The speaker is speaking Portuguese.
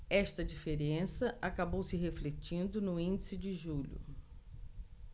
esta diferença acabou se refletindo no índice de julho